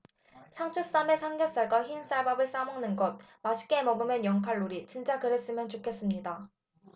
상추쌈에 삼겹살과 흰쌀밥을 싸먹는 것 맛있게 먹으면 영 칼로리 진짜 그랬으면 좋겠습니다